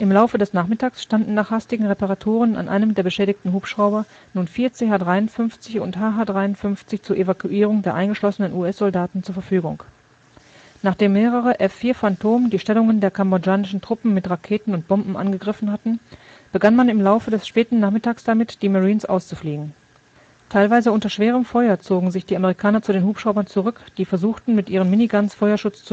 Laufe des Nachmittags standen nach hastigen Reparaturen an einem der beschädigten Hubschrauber nun vier CH-53 und HH-53 zur Evakuierung der eingeschlossenen US-Soldaten zur Verfügung. Nachdem mehrere F-4 Phantom die Stellungen der kambodschanischen Truppen mit Raketen und Bomben angegriffen hatten, begann man im Laufe des späten Nachmittags damit, die Marines auszufliegen. Teilweise unter schwerem Feuer zogen sich die Amerikaner zu den Hubschraubern zurück, die versuchten, mit ihren Miniguns Feuerschutz